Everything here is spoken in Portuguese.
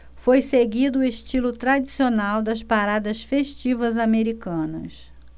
foi seguido o estilo tradicional das paradas festivas americanas